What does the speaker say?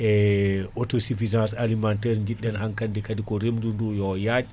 ee autosuffisance, alimentaire jidɗen hankandi kaadi ko reemndu ndu yo yaaj